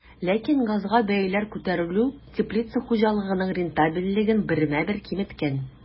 Ләкин газга бәяләр күтәрелү теплица хуҗалыгының рентабельлеген бермә-бер киметкән.